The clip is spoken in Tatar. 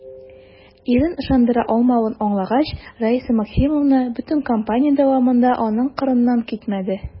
Ирен ышандыра алмавын аңлагач, Раиса Максимовна бөтен кампания дәвамында аның кырыннан китмәде.